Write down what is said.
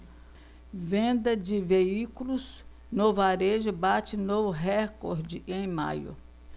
venda de veículos no varejo bate novo recorde em maio